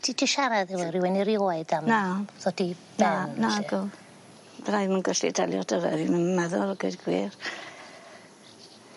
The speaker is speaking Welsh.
Ti di siarad efo rywun erioed am... Na. ...ddod i ben... Na. ...felly? Nagw. Fyddai'm yn gallu delio 'dy fe fi ddim yn meddwl a geud y gwir.